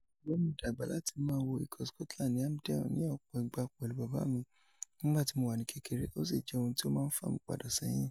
’’Ṣùgbọ́n mo dàgbà láti máa wo ikọ̀ Scotland ní Hampden ní ọ̀pọ̀ ìgbà pẹ̀lú bàbá mi nígbà tí mo wà ní kékeré, ó sì jẹ́ ohun tí ó ma ń fà mí padà sẹ́hìn.